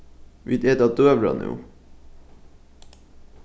vit eta døgurða nú